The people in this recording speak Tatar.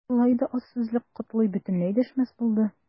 Болай да аз сүзле Котлый бөтенләй дәшмәс булды.